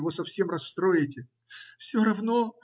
его совсем расстроите. - Все равно.